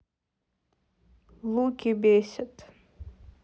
луки бесят